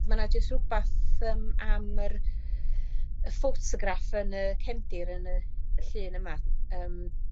ma' 'na jys rwbath yym am yr y ffotograff yn y cefndir yn y y llun yma yym